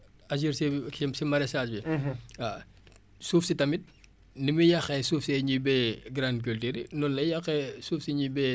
waaw suuf si tamit ni muy yàqee suuf see ñuy béyee grande culture yi noonu lay yàqee suuf si ñuy béyee tamit maraichage bi